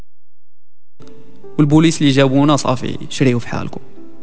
بوليس لي جونا صافي شريف حالكم